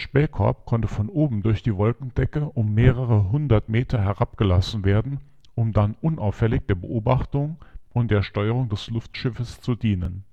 Der Spähkorb konnte von oben durch die Wolkendecke um mehrere hundert Meter herabgelassen werden, um dann " unauffällig " der Beobachtung und der Steuerung des Luftschiffes zu dienen